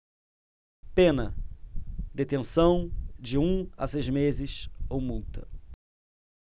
pena detenção de um a seis meses ou multa